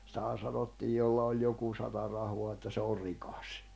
sitähän sanottiin jolla oli joku sata rahaa että se on rikas